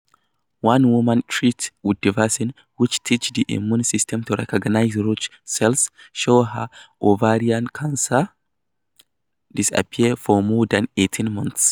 One woman treated with the vaccine, which teaches the immune system to recognize rogue cells, saw her ovarian cancer disappear for more than 18 months.